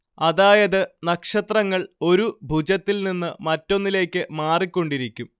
അതായത് നക്ഷത്രങ്ങൾ ഒരു ഭുജത്തിൽ നിന്ന് മറ്റൊന്നിലേക്ക് മാറിക്കൊണ്ടിരിക്കും